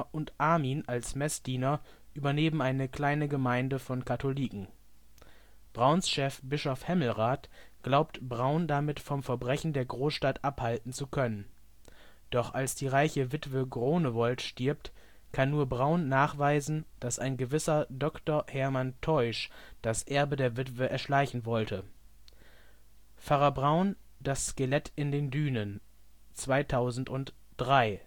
und Armin als Messdiener übernehmen eine kleine Gemeinde von Katholiken. Brauns Chef Bischof Hemmelrath glaubt Braun damit vom Verbrechen der Großstadt abhalten zu können. Doch als die reiche Witwe Groenewold stirbt, kann nur Braun nachweisen, dass ein gewisser Dr. Hermann Teusch das Erbe der Witwe erschleichen wollte. Pfarrer Braun - Das Skelett in den Dünen (2003